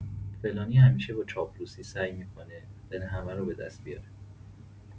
فلانی همیشه با چاپلوسی سعی می‌کنه دل همه رو به‌دست بیاره!